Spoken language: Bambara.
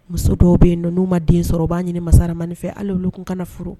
Muso dɔw bɛ yen n'u ma den sɔrɔ u b'a ɲini masara manin fɛ haliolu tun kana furu